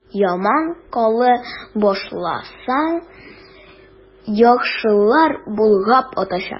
Яман кыла башласаң, яхшылар болгап атачак.